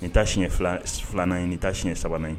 N taa siɲɛ filanan ye ni taa siɲɛ sabananbana ye